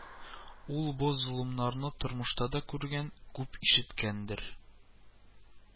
Ул бу золымнарны тормышта да күргән, күп ишеткәндер